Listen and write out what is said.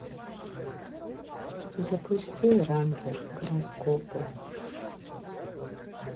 запусти рамблер гороскопы